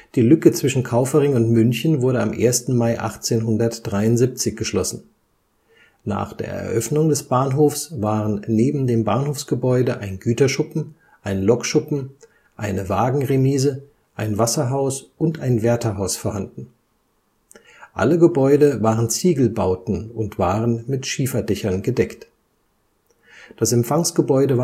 Die Lücke zwischen Kaufering und München wurde am 1. Mai 1873 geschlossen. Nach der Eröffnung des Bahnhofs waren neben dem Bahnhofsgebäude ein Güterschuppen, ein Lokschuppen, eine Wagenremise, ein Wasserhaus und ein Wärterhaus vorhanden. Alle Gebäude waren Ziegelbauten und waren mit Schieferdächern gedeckt. Das Empfangsgebäude